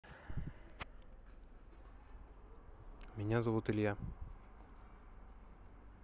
меня зовут илья